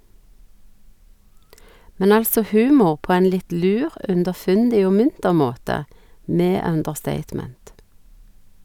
Men altså humor på ein litt lur, underfundig og munter måte, med understatement.